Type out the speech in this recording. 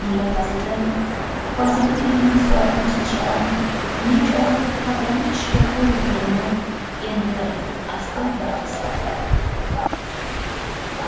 mulla fazliddin xonzoda begimning suratini chizish bilan nechog'liq xatarli ishga qo'l urganini endi astoydil his qildi